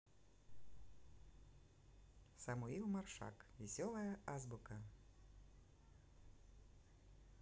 самуил маршак веселая азбука